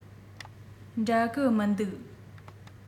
འདྲ གི མི འདུག